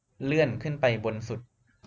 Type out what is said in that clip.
เลื่อนขึ้นไปบนสุด